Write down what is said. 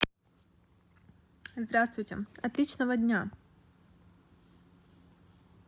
здравствуйте отличного дня